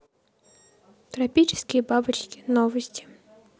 тропические бабочки новости